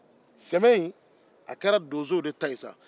sɛmɛ kɛra donsow ta de ye sa